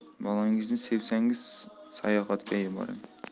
bolangizni sevsangiz sayoxatga yuboring